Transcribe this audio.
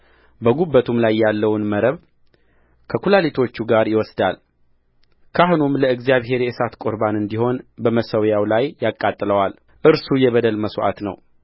በጕበቱም ላይ ያለውን መረብ ከኵላሊቶቹ ጋር ይወስዳል ካህኑም ለእግዚአብሔር የእሳት ቍርባን እንዲሆን በመሠዊያው ላይ ያቃጥለዋል እርሱ የበደል መሥዋዕት ነው